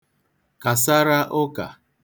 kasara ụkà